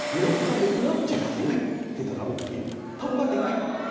nếu chúng ta đứng lớp chỉ học tiếng anh thì thật là uổng phí thông qua tiếng anh